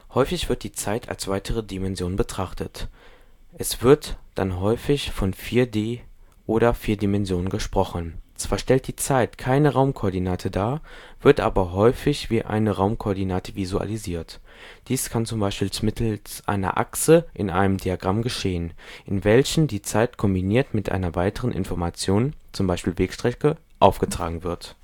Häufig wird die Zeit als weitere Dimension betrachtet. Es wird dann häufig von 4-D oder 4 Dimensionen gesprochen. Zwar stellt die Zeit keine Raumkoordinate dar, wird aber häufig wie eine Raumkoordinate visualisiert: Dies kann z.B. mittels einer Achse in einem Diagramm geschehen, in welchem die Zeit kombiniert mit einer weiteren Information (z.B. Wegstrecke) aufgetragen wird